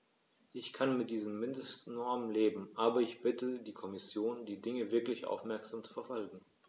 Ich kann mit diesen Mindestnormen leben, aber ich bitte die Kommission, die Dinge wirklich aufmerksam zu verfolgen.